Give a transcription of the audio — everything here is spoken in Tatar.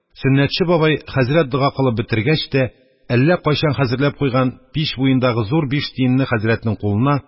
Сөннәтче бабай, хәзрәт дога кылып бетергәч тә, әллә кайчан хәзерләп куйган мич буендагы зур биш тиенне хәзрәтнең кулына,